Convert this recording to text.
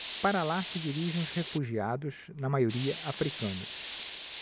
para lá se dirigem os refugiados na maioria hútus